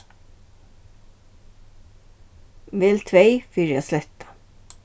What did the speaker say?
vel tvey fyri at sletta